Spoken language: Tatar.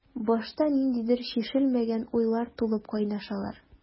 Башта ниндидер чишелмәгән уйлар тулып кайнашалар.